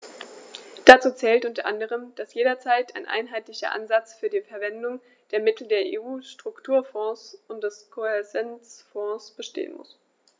Dazu zählt u. a., dass jederzeit ein einheitlicher Ansatz für die Verwendung der Mittel der EU-Strukturfonds und des Kohäsionsfonds bestehen muss.